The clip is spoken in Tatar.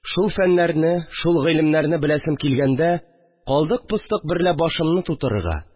Шул фәннәрне, шул гыйлемнәрне беләсем килгәндә – калдык-постык берлә башымны тутырырга